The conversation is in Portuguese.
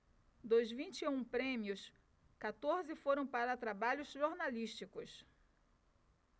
dos vinte e um prêmios quatorze foram para trabalhos jornalísticos